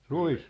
ruis